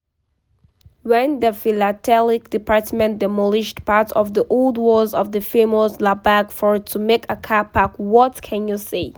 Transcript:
When the philatelic department demolished part of the old walls of the famous Lalbagh Fort to make a car park, what can you say?